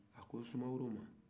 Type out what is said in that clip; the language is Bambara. a ko soumaoro ma